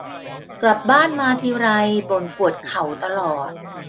กลับบ้านมาทีไรบ่นปวดเข่าตลอด